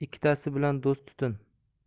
ikkitasi bilan do'st tutin